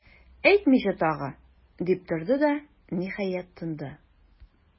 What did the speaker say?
Әйтмичә тагы,- дип торды да, ниһаять, тынды.